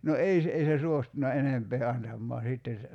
no ei se ei se suostunut enempää antamaan sitten se